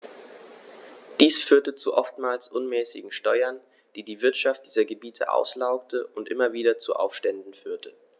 Dies führte zu oftmals unmäßigen Steuern, die die Wirtschaft dieser Gebiete auslaugte und immer wieder zu Aufständen führte.